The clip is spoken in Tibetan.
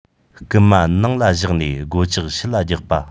རྐུན མ ནང ལ བཞག ནས སྒོ ལྕགས ཕྱི ལ རྒྱག པ